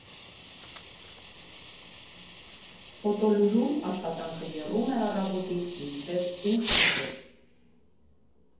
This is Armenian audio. «Ֆոտոլուրում» աշխատանքը եռում է առավոտից մինչև ուշ գիշեր։